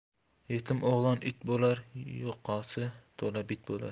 yetim o'g'lon it bo'lar yoqasi to'la bit bo'lar